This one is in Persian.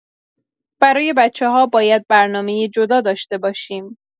برای بچه‌ها باید برنامۀ جدا داشته باشیم.